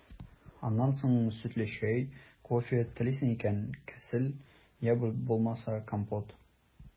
Аннан сөтле чәй, кофе, телисең икән – кесәл, йә булмаса компот.